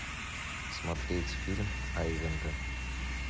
смотреть фильм айвенго